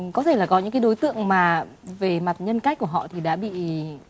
có thể là có những cái đối tượng mà về mặt nhân cách của họ thì đã bị